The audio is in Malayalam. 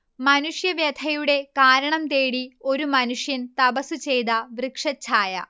മനുഷ്യവ്യഥയുടെ കാരണംതേടി ഒരു മനുഷ്യൻ തപസ്സുചെയ്ത വൃക്ഷഛായ